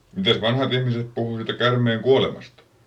mitäs vanhat ihmiset puhui siitä käärmeen kuolemasta